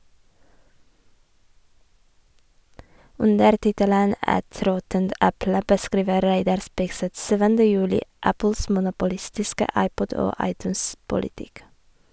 Under tittelen «Et råttent eple» beskriver Reidar Spigseth 7. juli Apples monopolistiske iPod- og iTunes-politikk.